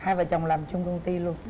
hai vợ chồng làm chung công ty luôn